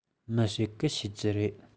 མི ཞིག གིས ཤེས ཀྱི རེད